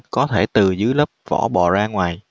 có thể từ dưới lớp vỏ bò ra ngoài